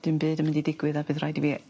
dim byd yn mynd i digwydd a bydd rhaid i fi